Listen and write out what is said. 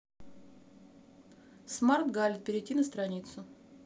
smart галет перейти на страничку